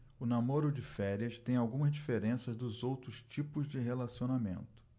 o namoro de férias tem algumas diferenças dos outros tipos de relacionamento